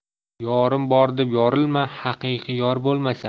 yorim bor deb yorilma haqiqiy yor bo'lmasa